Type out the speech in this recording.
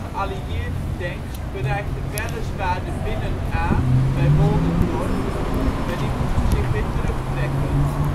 geallieerde tanks bereikten weliswaar de Binnen AE (bij Woldendorp), maar die moesten zich weer terugtrekken